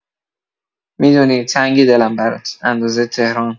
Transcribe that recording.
می‌دونی تنگه دلم برات اندازه تهران